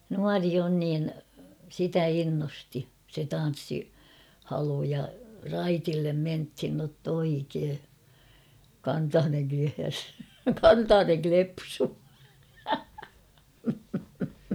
nuori on niin sitä innosti se tanssihalu ja raitille mentiin jotta oikein kantanen kehäs kantanen klepsuu